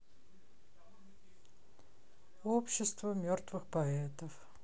общество мертвых поэтов